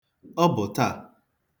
Ọ bụ taa.